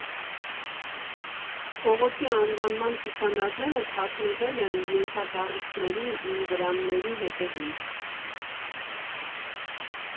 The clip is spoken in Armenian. Փողոցի անվանման ցուցանակները թաքնվել են ենթակառույցների ու վրանների հետևում։